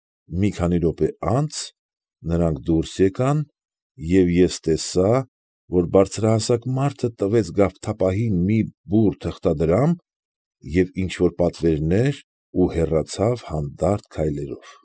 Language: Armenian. Մի քանի րոպե անցած՝ նրանք դուրս եկան, և ես տեսա, որ բարձրահասակ մարդը տվեց գավթապահին մի բուռ թղթադրամ և ինչ֊որ պատվերներ ու հեռացավ հանդարտ քայլելով։